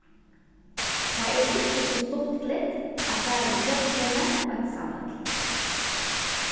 tað er ikki so stuttligt at fara í fjøllini einsamøll